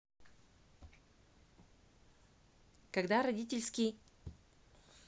когда родительский